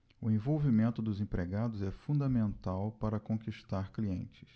o envolvimento dos empregados é fundamental para conquistar clientes